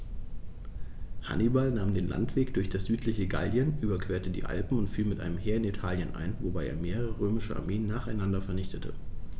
Hannibal nahm den Landweg durch das südliche Gallien, überquerte die Alpen und fiel mit einem Heer in Italien ein, wobei er mehrere römische Armeen nacheinander vernichtete.